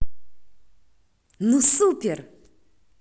ну супер